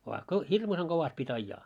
vaan kun hirmuisen kovasti piti ajaa